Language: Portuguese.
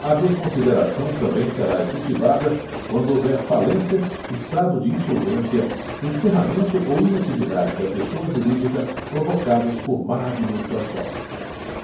a desconsideração também será efetivada quando houver falência estado de insolvência encerramento ou inatividade da pessoa jurídica provocados por má administração